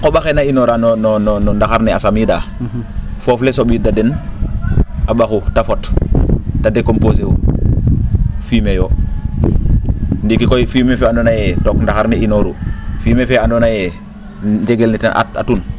xa qo? axe naa inooraa no ndaxar ne a samiidaa foof le so?iida den ta ?axu ta fot ta decomposer u fumier yoo ndiiki koy fumier faa andoona yee took ndaxar ne inooru fumier fee andoona yee njegel ne ten atun